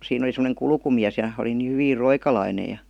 siinä oli semmoinen kulkumies ja oli niin hyvin roikalainen ja